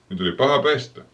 niitä oli paha pestä